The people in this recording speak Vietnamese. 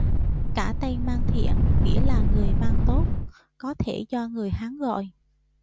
cả tên man thiện nghĩa là người man tốt có thể do người hán gọi